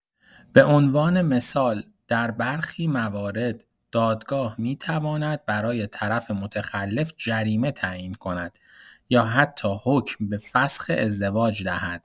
به‌عنوان مثال، در برخی موارد، دادگاه می‌تواند برای طرف متخلف جریمه تعیین کند یا حتی حکم به فسخ ازدواج دهد.